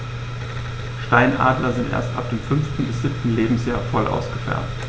Steinadler sind erst ab dem 5. bis 7. Lebensjahr voll ausgefärbt.